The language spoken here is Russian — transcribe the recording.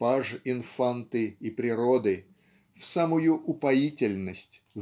Паж инфанты и природы в самую упоительность